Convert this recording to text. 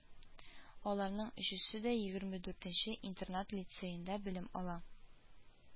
Аларның өчесе дә егерме дүртенче интернат лицейда белем ала